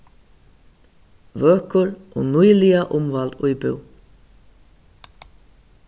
vøkur og nýliga umvæld íbúð